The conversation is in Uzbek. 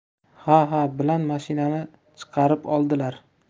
ha ha bilan mashinani chiqarib oldilar